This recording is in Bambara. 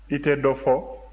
i tɛ dɔ fɔ